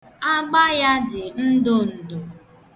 Agba ya dị ndụndụ.